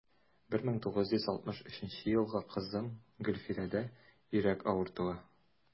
1963 елгы кызым гөлфирәдә йөрәк авыруы.